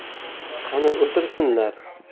qani o'tirsinlar